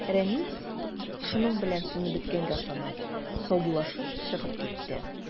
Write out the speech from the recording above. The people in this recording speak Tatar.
Рәнис, шуның белән сүзне беткәнгә санап, саубуллашып чыгып китте.